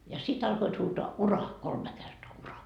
ja sitten alkoivat huutaa uraa kolme kertaa uraa